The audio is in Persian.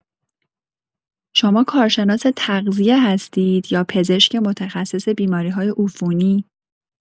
شما کارشناس تغذیه هستید، یا پزشک متخصص بیماری‌های عفونی؟